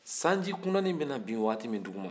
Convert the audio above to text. sanji kunanin bɛna bin waati min duguma